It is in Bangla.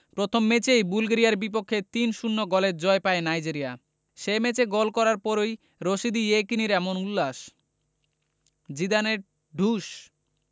প্রথম ম্যাচেই বুলগেরিয়ার বিপক্ষে ৩ ০ গোলের জয় পায় নাইজেরিয়া সে ম্যাচে গোল করার পরই রশিদী ইয়েকিনির এমন উল্লাস জিদানের ঢুস